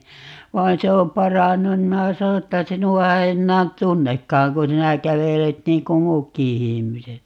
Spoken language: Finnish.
vaan se on parantunut niin minä sanoin että sinua ei enää tunnekaan kun sinä kävelet niin kuin muutkin ihmiset